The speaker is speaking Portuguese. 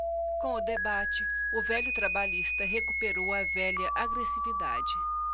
com o debate o velho trabalhista recuperou a velha agressividade